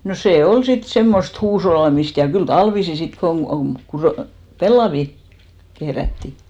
no se oli sitten semmoista huushollaamista ja kyllä talvisin sitten kun - pellavia kehrättiin